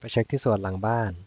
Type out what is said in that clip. ไปเช็คที่สวนหลังบ้าน